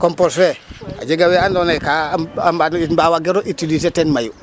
compos fe a jega wa andoona yee ka ka a mbaagan o mbi' ndaa waagiro utiliser teen mayu.